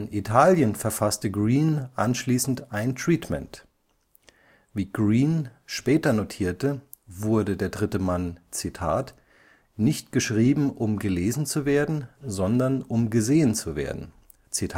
Italien verfasste Greene anschließend ein Treatment. Wie Greene später notierte, wurde Der dritte Mann „ nicht geschrieben, um gelesen zu werden, sondern um gesehen zu werden “. Die